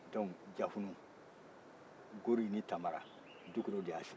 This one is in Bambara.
dɔnku jafunu gori ni tamara dukurew de y'a sigi